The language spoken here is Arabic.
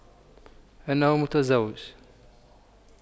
إنه متزوج